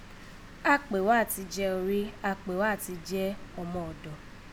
Áà kpè wá àti jẹ́ orí, a kpè wá àti jẹ́ ọmọ ọ̀dọ̀